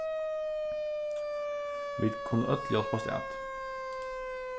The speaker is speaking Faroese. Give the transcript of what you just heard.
vit kunnu øll hjálpast at